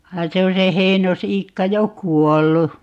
vaan se on se Heinos-Iikka jo kuollut